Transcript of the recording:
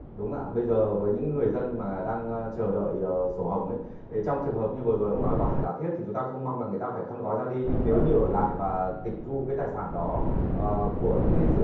đúng ạ bây giờ với những người dân mà đang chờ đợi ờ sổ hồng ý thì trong trường hợp như vừa rồi ông nói có hai giả thiết thì người ta không mong là người ta phải khăn gói ra đi nhưng nếu như ở lại và tịch thu cái tài sản đó của những cái dự